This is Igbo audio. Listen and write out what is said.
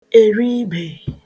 èribè